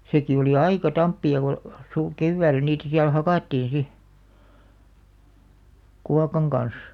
sekin oli aika tamppia kun - keväällä niitä siellä hakattiin sitten kuokan kanssa